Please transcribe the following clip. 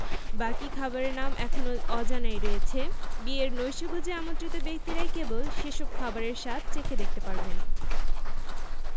বাকি খাবারের নাম এখনো অজানাই রয়েছে বিয়ের নৈশভোজে আমন্ত্রিত ব্যক্তিরাই কেবল সেসব খাবারের স্বাদ চেখে দেখতে পারবেন